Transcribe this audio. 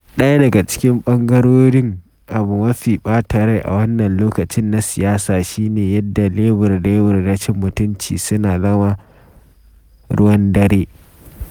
Daya daga cikin ɓangarorin abu mafi ɓata rai a wannan lokaci na siyasa shi ne yadda lebur-lebur na cin mutunci suna zama ruwan dare.